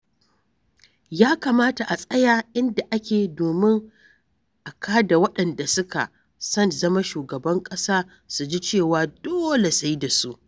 Ya kamata a tsaya inda ake domin a kada waɗanda suka son zama shugaban ƙasa su ji cewa dole sai da su.